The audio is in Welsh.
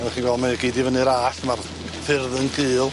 Oddach chi'n gwel' mae o gyd i fyny'r allt ma'r ffyrdd yn gul.